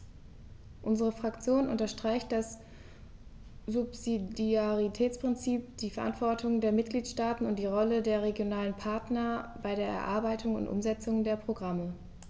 Unsere Fraktion unterstreicht das Subsidiaritätsprinzip, die Verantwortung der Mitgliedstaaten und die Rolle der regionalen Partner bei der Erarbeitung und Umsetzung der Programme.